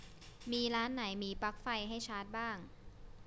มีร้านไหนมีปลั๊กไฟให้ชาร์จบ้าง